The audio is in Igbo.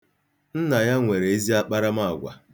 Nna ya nwere ezi akparaamaagwa.